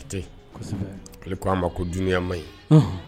Ko a ma ko dunyama ye